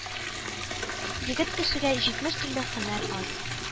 Егет кешегә җитмеш төрле һөнәр аз.